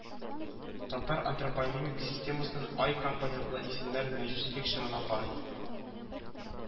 Татар антропонимик системасын ай компонентлы исемнәр мәҗүсилек чорына карый